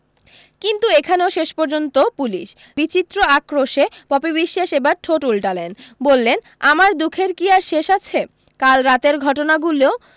কিন্তু এখানেও শেষ পর্য্যন্ত পুলিশ বিচিত্র আক্রোশে পপি বিশ্বাস এবার ঠোঁট উল্টালেন বললেন আমার দুখের কী আর শেষ আছে কাল রাতের ঘটনাগুলো